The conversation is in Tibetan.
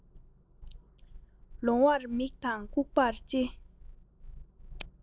ལོང བར མིག དང ལྐུགས པར ལྕེ